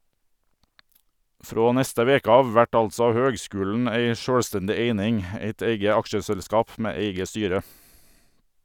Frå neste veke av vert altså høgskulen ei sjølvstendig eining , eit eige aksjeselskap med eige styre.